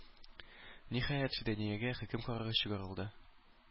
Ниһаять, Фиданиягә хөкем карары чыгарылды.